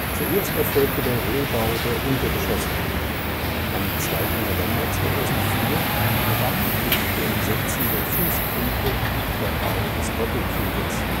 Zuerst erfolgte der Rohbau der Untergeschosse. Am 2. November 2004 begann mit dem Setzen der Fußpunkte der Bau des Doppelkegels